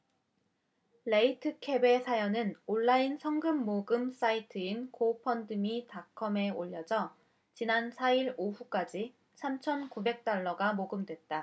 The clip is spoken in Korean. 레이트켑의 사연은 온라인 성금 모금 사이트인 고펀드미닷컴에 올려져 지난 사 일 오후까지 삼 천 구백 달러가 모금됐다